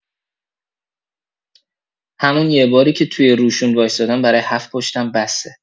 همون یه باری که توی روشون وایستادم برای هفت پشتم بسه.